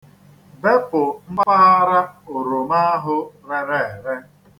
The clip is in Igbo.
Bepụ mpaghara oroma ahụ rere ere.